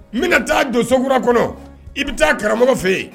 N bɛna taa donsokura kɔnɔ i bɛ taa karamɔgɔ fɛ yen